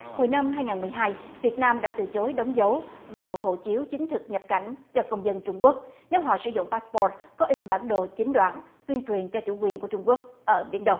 hồi năm hai ngàn mười hai việt nam đã từ chối đóng dấu vào hộ chiếu chứng thực nhập cảnh cho công dân trung quốc nếu họ sử dụng pát spo có in bản đồ chiếm đoạt tuyên truyền cho chủ quyền của trung quốc ở biển đông